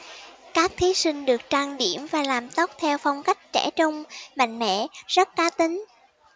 các thí sinh được trang điểm và làm tóc theo phong cách trẻ trung mạnh mẽ rất cá tính